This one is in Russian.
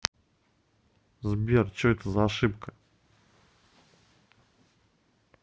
сбер что это за ошибка